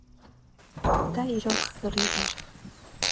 Դա իրոք կռիվ էր։